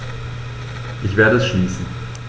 Ich werde es schließen.